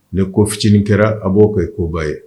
Ni kofitiini kɛra a b'o kɛ koba ye.